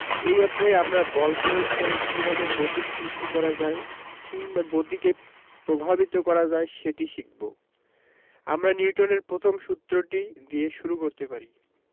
এই অধ্যায়ে আমরা বল প্রয়োগ করে কীভাবে গতির সৃষ্টি করা যায় কিংবা গতিকে প্রভাবিত করা যায় সেটি শিখব আমরা নিউটনের প্রথম সূত্রটি দিয়ে শুরু করতে পারি